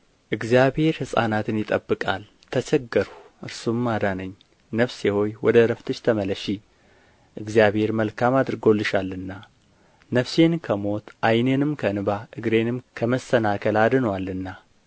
እግዚአብሔር ሕፃናትን ይጠብቃል ተቸገርሁ እርሱም አዳነኝ ነፍሴ ሆይ ወደ ዕረፍትሽ ተመለሺ እግዚአብሔር መልካም አድርጎልሻልና ነፍሴን ከሞት ዓይኔንም ከእንባ እግሬንም ከመሰናከል አድኖአልና